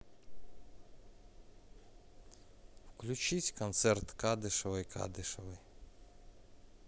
включить концерт кадышевой кадышевой